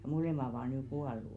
jo molemmat ovat nyt kuollut